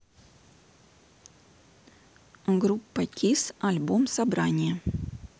группа kiss альбом sobranie